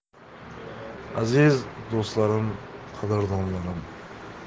aziz do'stlarim qadrdonlarim